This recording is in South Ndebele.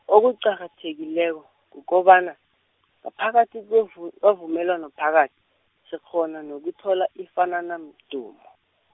okuqakathekileko kukobana, ngaphakathi kwevu- kwevumelwano phakathi, sikghona nokuthola ifanana mdumo.